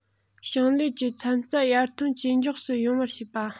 ཞིང ལས ཀྱི ཚན རྩལ ཡར ཐོན ཇེ མགྱོགས སུ ཡོང བར བྱེད པ